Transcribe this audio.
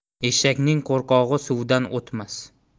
eshakning qo'rqog'i suvdan o'tmas